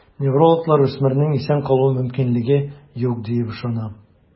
Неврологлар үсмернең исән калу мөмкинлеге юк диеп ышана.